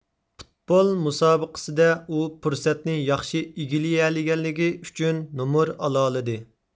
پۇتبول مۇسابىقىسىدە ئۇ پۇرسەتنى ياخشى ئىگىلىيەلىگەنلىكى ئۈچۈن نومۇر ئالالىدى